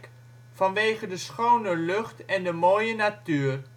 vanwege de schone lucht en de mooie natuur